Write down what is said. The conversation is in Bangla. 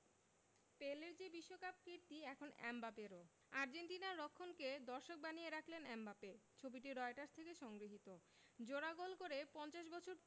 পেলের যে বিশ্বকাপ কীর্তি এখন এমবাপ্পেরও আর্জেন্টিনার রক্ষণকে দর্শক বানিয়ে রাখলেন এমবাপ্পে ছবিটি রয়টার্স থেকে সংগৃহীত জোড়া গোল করে ৫০ বছর